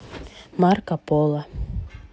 марко поло